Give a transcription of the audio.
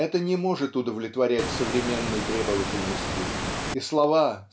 это не может удовлетворять современной требовательности. И слова